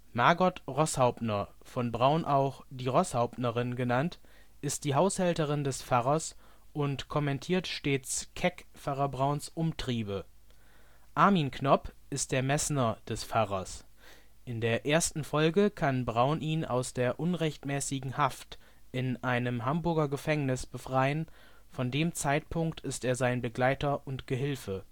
Margot Roßhauptner, von Braun auch die Roßhauptnerin genannt, ist die Haushälterin des Pfarrers und kommentiert stets keck Pfarrer Brauns Umtriebe. Armin Knopp ist der Messner des Pfarrers. In der ersten Folge kann Braun ihn aus der unrechtmäßigen Haft in einem Hamburger Gefängnis befreien, von dem Zeitpunkt ist er sein Begleiter und Gehilfe